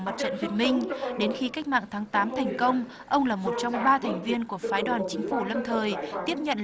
mặt trận việt minh đến khi cách mạng tháng tám thành công ông là một trong ba thành viên của phái đoàn chính phủ lâm thời tiếp nhận lễ